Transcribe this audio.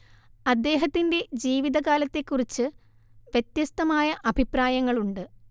അദ്ദേഹത്തിന്റെ ജീവിതകാലത്തെക്കുറിച്ച് വ്യത്യസ്തമായ അഭിപ്രായങ്ങളുണ്ട്